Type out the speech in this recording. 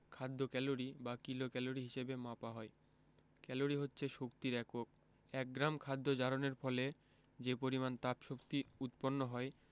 খাদ্য ক্যালরি বা কিলোক্যালরি হিসেবে মাপা হয় ক্যালরি হচ্ছে শক্তির একক এক গ্রাম খাদ্য জারণের ফলে যে পরিমাণ তাপশক্তি উৎপন্ন হয়